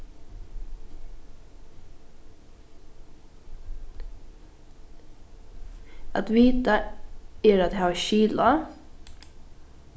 at vita er at hava skil á